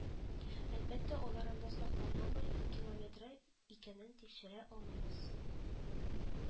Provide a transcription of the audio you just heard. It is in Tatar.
Әлбәттә алар анда сакланамы, юкилометры икәнен тикшерә алмыйбыз